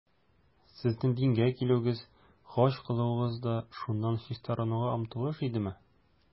Сезнең дингә килүегез, хаҗ кылуыгыз да шуннан чистарынуга омтылыш идеме?